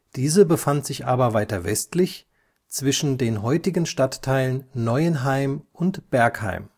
Diese befand sich aber weiter westlich zwischen den heutigen Stadtteilen Neuenheim und Bergheim